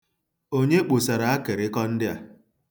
Onye kposara akịrịkọ ndị a?